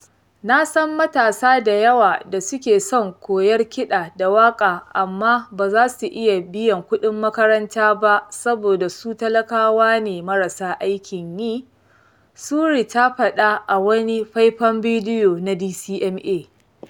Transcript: Na san matasa da yawa da suke son koyar kiɗa da waƙa amma ba za su iya biyan kuɗin makaranta ba saboda su talakawa ne marasa aikin yi, Surri ta faɗa a wani faifan bidiyo na DCMA.